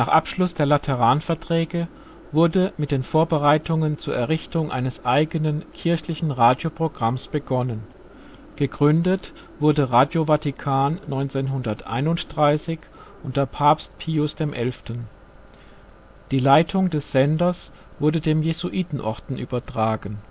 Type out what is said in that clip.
Abschluss der Lateranverträge wurde mit den Vorbereitungen zur Errichtung eines eigenen kirchlichen Radioprogramms begonnen. Gegründet wurde Radio Vatikan 1931 unter Papst Pius XI. Die Leitung des Senders wurde dem Jesuitenorden übertragen